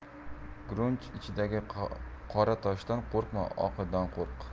gurunch ichidagi qora toshdan qo'rqma oqidan qo'rq